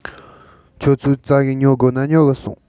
ཁྱོད ཆོས ཙ གེ ཉོ དགོ ན ཉོ གི སོང